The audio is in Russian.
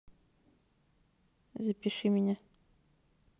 запиши меня